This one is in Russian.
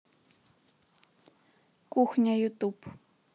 кухня ютуб